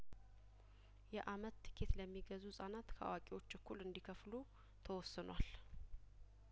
የአመት ትኬት ለሚገዙ ህጻናት ከአዋቂዎች እኩል እንዲ ከፍሉ ተወስኗል